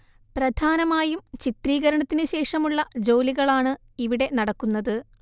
പ്രധാനമായും ചിത്രീകരണത്തിന് ശേഷമുള്ള ജോലികളാണ് ഇവിടെ നടക്കുന്നത്